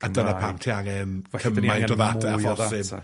A dyna pam ti angen cymaint o ddata a phosib. Felly dan ni angen mwy o ddata.